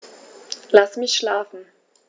Lass mich schlafen